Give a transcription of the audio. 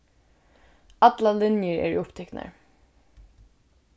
allar linjur eru upptiknar